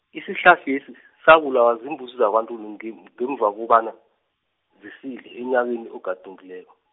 isihlahlesi s- sabulawa ziimbuzi zakwaNtuli nge ngemva kobana, zisidle unyakeni ogadungileko.